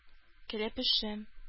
Кәләпүшем